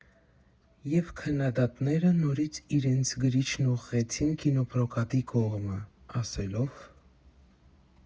Եվ քննադատները նորից իրենց գրիչն ուղղեցին կինոպրոկատի կողմը՝ ասելով.